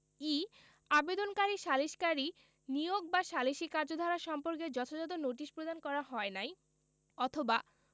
ই আবেদনকারী সালিসকারী নিয়োগ বা সালিসী কার্যধারা সম্পর্কে যথাযথ নোটিশ প্রদান করা হয় নাই অথবা